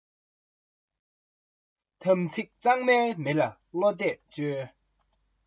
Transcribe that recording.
ནོར བུ དགོས ན རྒྱ མཚོའི གཏིང ལ ཡོད